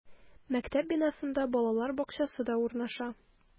Мәктәп бинасында балалар бакчасы да урнаша.